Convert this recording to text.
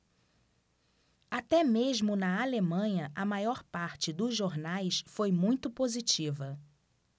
até mesmo na alemanha a maior parte dos jornais foi muito positiva